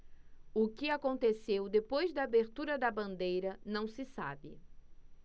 o que aconteceu depois da abertura da bandeira não se sabe